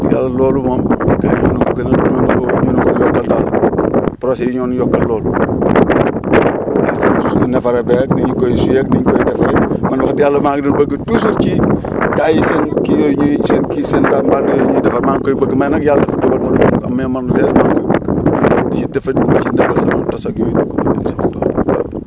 loolu moom danñ ñu ko gën a nu ñu ko nu ñu ko yokkal daal projets yi ñoo ñu yokkal loolu affaire neefere beeg nu ñu koy suyeeg nu ñu koy defaree man wax dëgg yàlla maa ngi doon bëgg toujours ci gars yi seen kii yooyu ñuy seen kii seen mbànn yooyu ñuy defar maa ngi koy bëgg mais nag yàlla dafa dogal mënaguma ko am mais man réelement dama koo bëgg di ci def tos ak yooyu di ko mën a am sama tool